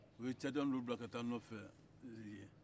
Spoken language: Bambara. o ye cadika dɔw bila ka n nɔfɛ yen